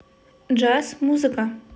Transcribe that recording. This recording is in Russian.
джаз музыка